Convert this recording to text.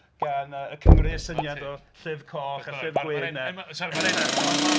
..gan yy Y Cymry y syniad o'r Llyfr Coch a Llyfr Gwyn... .